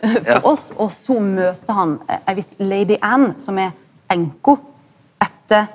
for oss og so møter han ei viss Lady Anne som er enka etter.